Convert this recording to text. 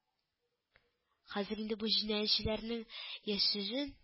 Хәзер инде бу җинаятьчеләрнең яшерен